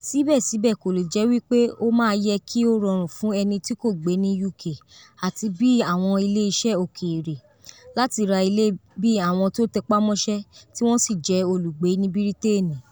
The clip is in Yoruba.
Ṣíbẹ̀síbẹ̀, kò le jẹ́ wípé ó máa yẹ kí ó rọrùn fún ẹnití kò gbé ní UK, àti bí àwọn ilé iṣẹ́ òkèèrè, láti ra ilé bí àwọn tó tẹpamọ́ṣe tí wọ̀n ṣì jẹ́ olúgbẹ ní Brítèènì.